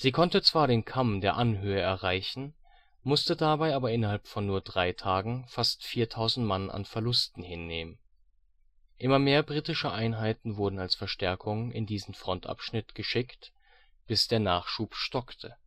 konnte zwar den Kamm der Anhöhe erreichen, musste dabei aber innerhalb von nur drei Tagen fast 4.000 Mann an Verlusten hinnehmen. Immer mehr britische Einheiten wurden als Verstärkung in diesen Frontabschnitt geschickt bis der Nachschub stockte